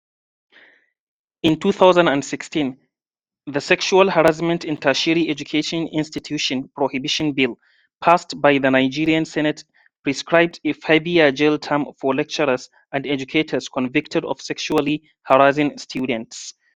In 2016, the "Sexual Harassment in Tertiary Education Institution Prohibition Bill", passed by the Nigerian Senate prescribed a 5-year jail term for lecturers and educators convicted of sexually harassing students.